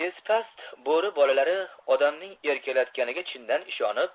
esipast bo'ri bolalari odamning erkalatganiga chindan ishonib